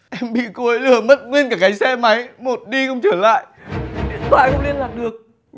em bị cô ấy lừa mất nguyên cả cái xe máy một đi không trở lại điện thoại không liên lạc được